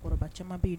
Kɔrɔ caman bɛ ye